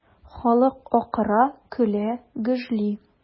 Халык акыра, көлә, гөжли.